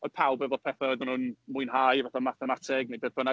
Oedd pawb efo petha oedden nhw'n mwynhau, fatha mathemateg neu beth bynnag.